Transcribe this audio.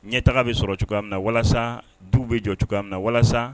Ɲɛ taga bɛ sɔrɔ cogoya min na walasa du bɛ jɔ cogoya min na walasa